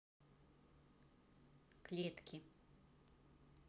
клетки